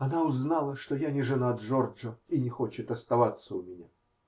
Она узнала, что я не жена Джорджо и не хочет оставаться у меня.